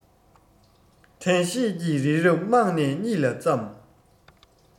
དྲན ཤེས ཀྱི རི རབ རྨང ནས ཉིལ ལ བརྩམས